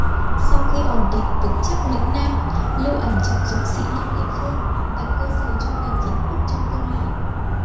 sau khi ổn định vững chắc lĩnh nam lưu ẩn trọng dụng sĩ nhân địa phương đặt cơ sở cho việc kiến quốc trong tương lai